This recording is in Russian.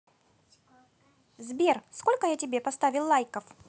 сбер сколько я тебе поставил лайков